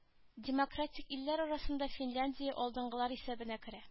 Демократик илләр арасында финляндия алдынгылар исәбенә керә